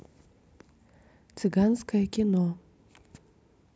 цыганское кино